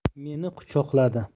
meni quchoqladi